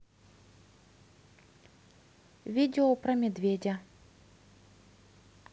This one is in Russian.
видео про медведя